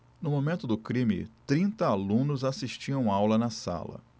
no momento do crime trinta alunos assistiam aula na sala